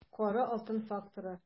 Кара алтын факторы